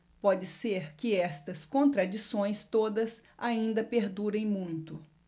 pode ser que estas contradições todas ainda perdurem muito